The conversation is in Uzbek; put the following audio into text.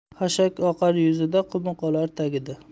xashak oqar yuzida qumi qolar tagida